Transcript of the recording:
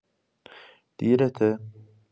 دیرته؟